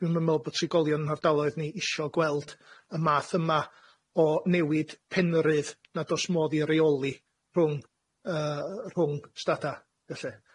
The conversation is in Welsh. Dwi'm yn me'wl bo' trigolion 'yn hardaloedd ni isio gweld y math yma o newid penrydd nad o's modd 'i reoli rhwng yy rhwng stada felly,